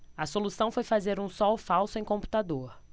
a solução foi fazer um sol falso em computador